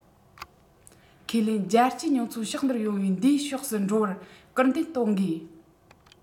ཁས ལེན རྒྱལ སྤྱིའི ཉོ ཚོང ཕྱོགས འདིར ཡོང བའི འདིའི ཕྱོགས སུ འགྲོ བར སྐུལ འདེད གཏོང དགོས